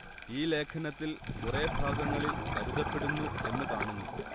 ഈ ലേഖനത്തിൽ കുറെ ഭാഗങ്ങളിൽ കരുതപ്പെടുന്നു എന്ന് കാണുന്നു